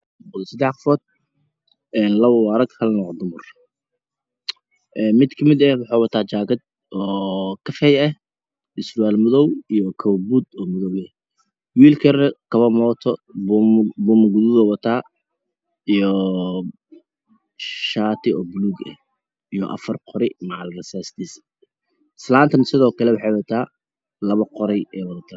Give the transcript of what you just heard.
Waa sadax qof lapa waa rag mida kalne wa dumar mid waxuu wata jaakad oo kafee ah surwaal madow iyo kapo puud wiilka yarna puuma mato kapo gaduud uu wataa iyo shaati oo puluug ah afar qori macala rasastiisa islantana sidoo kle waxey wadataa lopo qari